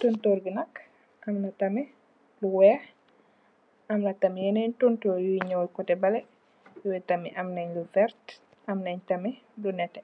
tontor bi nak amna tam lu weex, am na tam yeneen tontor yu nyuul kote ba lee, yuy tamit amne lu werte, amne tamit bu nete.